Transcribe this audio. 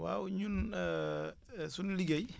waaw ñun sunu liggéey